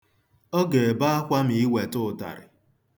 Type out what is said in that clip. Ọ ga-ebe akwa ma i weta ụtarị.